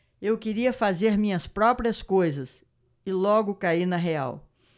eu queria fazer minhas próprias coisas e logo caí na real